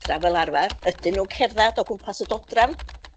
fel arfer. Ydyn nw'n cerddad o gwmpas y dodrefn?